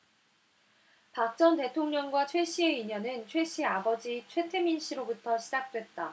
박 전 대통령과 최씨의 인연은 최씨 아버지 최태민씨로부터 시작됐다